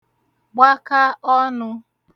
gbaka ọnụ̄